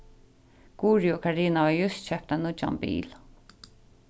guðrið og karina hava júst keypt ein nýggjan bil